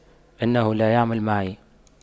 أنه لا يعمل معي